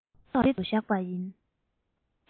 སྒྲོག ཙེའི ཐོག ཏུ བཞག པ ཡིན